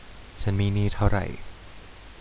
ฉันมีหนี้เท่าไหร่